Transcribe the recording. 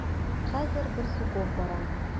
Хәзер Барсуков бара.